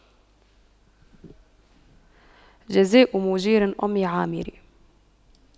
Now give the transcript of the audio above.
جزاء مُجيرِ أُمِّ عامِرٍ